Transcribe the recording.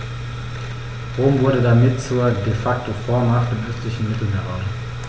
Rom wurde damit zur ‚De-Facto-Vormacht‘ im östlichen Mittelmeerraum.